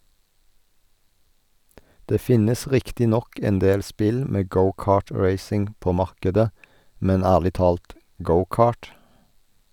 Det finnes riktig nok endel spill med go-cart-racing på markedet, men ærlig talt - go-cart?